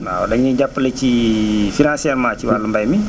waaw dañ ñuy jàppale ci financièrement ci wàllu mbay mi